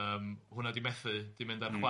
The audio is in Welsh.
yym hwnna di methu, di mynd ar... M-hm.